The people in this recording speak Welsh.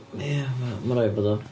Ie ma- mae rhaid bod o...